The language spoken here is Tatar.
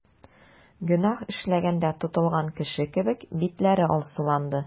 Гөнаһ эшләгәндә тотылган кеше кебек, битләре алсуланды.